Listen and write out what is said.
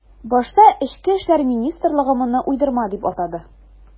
Башта эчке эшләр министрлыгы моны уйдырма дип атады.